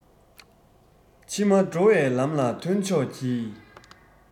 ཕྱི མ འགྲོ བའི ལམ ལ ཐོན ཆོག གྱིས